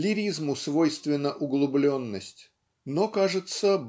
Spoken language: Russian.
Лиризму свойственна углубленность но кажется